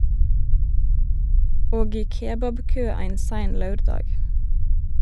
Og i kebabkø ein sein laurdag.